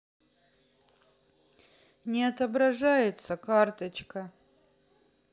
не отображается карточка